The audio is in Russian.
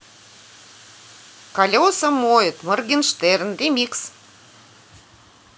колеса моет morgenshtern ремикс